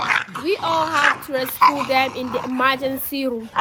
We all have to rescue them in the emergency room.